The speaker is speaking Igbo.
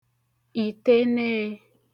ìteneē